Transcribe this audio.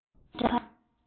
སྙིང གི འཕར སྒྲ